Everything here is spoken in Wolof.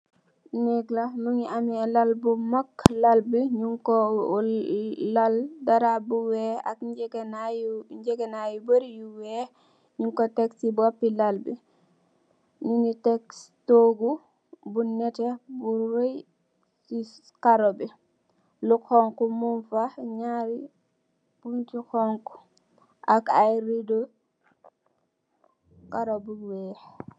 Lal bu mak negedai bu wekh lu khonku.